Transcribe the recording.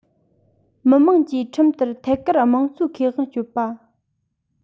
མི དམངས ཀྱིས ཁྲིམས ལྟར ཐད ཀར དམངས གཙོའི ཁེ དབང སྤྱོད པ